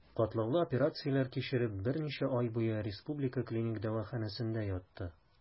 Катлаулы операцияләр кичереп, берничә ай буе Республика клиник дәваханәсендә ятты.